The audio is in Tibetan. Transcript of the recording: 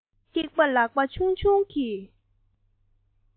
ཐིགས པ ལག པ ཆུང ཆུང གིས